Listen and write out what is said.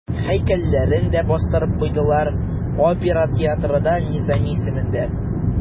Һәйкәлләрен дә бастырып куйдылар, опера театры да Низами исемендә.